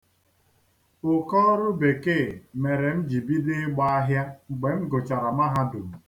Ụkọ ọrụ bekee mere m ji bido ịgba ahịa mgbe m gụchara mahadum.